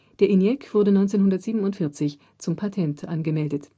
Der ENIAC wurde 1947 zum Patent angemeldet